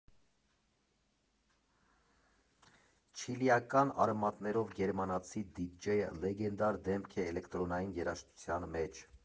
Չիլիական արմատներով գերմանացի դիջեյը լեգենդար դեմք է էլեկտրոնային երաժշտության մեջ։